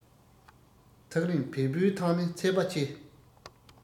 ཐག རིང བལ བོའི ཐང ནི ཚད པ ཆེ